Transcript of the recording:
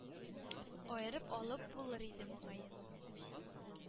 Аерып алып булыр иде, мөгаен.